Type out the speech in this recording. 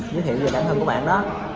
thân của bạn đó